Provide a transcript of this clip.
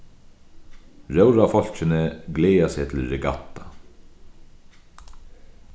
róðrarfólkini gleða seg til regatta